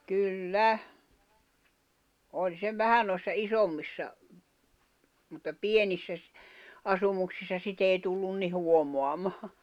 kyllä oli se vähän noissa isommissa mutta pienissä - asumuksissa sitä ei tullut niin huomaamaan